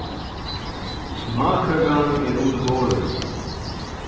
smákøkan er undir borðinum